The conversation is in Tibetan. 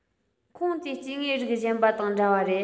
ཁོངས དེའི སྐྱེ དངོས རིགས གཞན པ དང འདྲ བ རེད